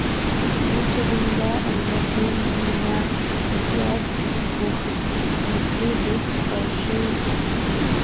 Ул чагында аңладым, миңа азиат кухнясы бик ошый икән.